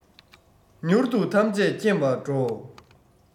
མྱུར དུ ཐམས ཅད མཁྱེན པར འགྲོ